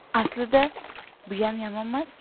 aslida buyam yomonmas